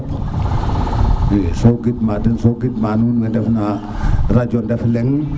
so gid ma den so gid ma we ndef na rajo ndef leng